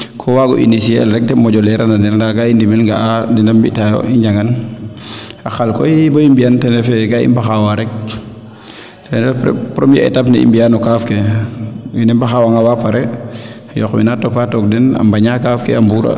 ko waago unicier el rek moƴo leranda den ndaa kaa i ndimel nga'a neede mbita yo i njangan a qal koy bo i mbiyan tenrefe kaa i mbaxawa rek ten ref premier etape ke mbiya no kaaf ke wiin we mbaxawanga baa pare yoqwe na topa took den a mbaña kaaf ke a mburan